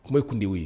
Kun ye kun de ye